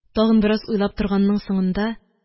Тагын бераз уйлап торганның соңында: